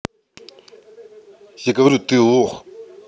я говорю ты лох